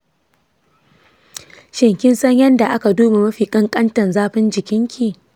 shin kin san yadda aka duba mafi ƙanƙantan zafin jikin ki?